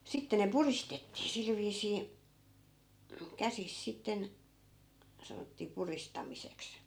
sitten ne puristettiin sillä viisiin käsissä sitten sanottiin puristamiseksi